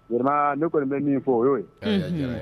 Walima ne kɔni bɛ min fɔ o y'o ye